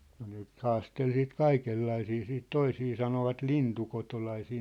no ne nyt haasteli siitä kaikenlaisia siitä% sitten toisia sanoivat lintukotolaisiksi